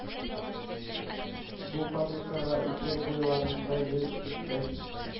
Бу фабрикага Идел буйларында җир кипкәч,